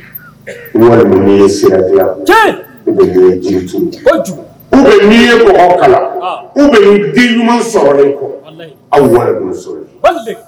Walima n'i ye sira dilan, ou bien n'i ye jiri turu, n'i ye mɔgɔ kalan, ou bien n'i den ɲuman sɔrɔla i kɔ,